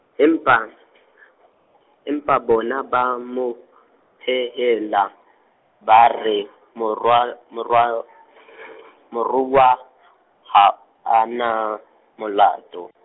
empa , empa bona ba mo, phehella, ba re, morwa-, morwa- , moromuwa, ha, ana, molato.